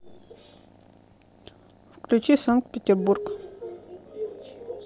включи санкт петербург